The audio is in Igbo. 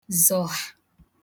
zọ̀hà